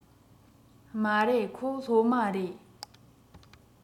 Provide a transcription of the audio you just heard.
མ རེད ཁོ སློབ མ རེད